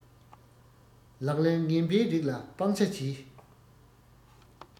ལག ལེན ངན པའི རིགས ལ སྤང བྱ གྱིས